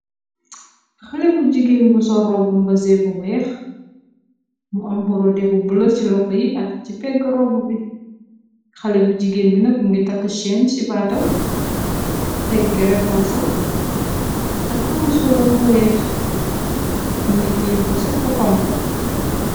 xale bu jigeen bu sor robb mbasee bu weex mu amborodé bu blo ci loxo yi ak ci pegg robb bi xale bu jigeen bi nag mu ngi tak cheen ci baatam pegg refaasam takk mu sóuram bu weex mu ngi tie poset bu xonko